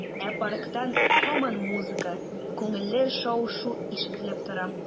Ә парктан һаман музыка, күңелле шау-шу ишетелеп тора.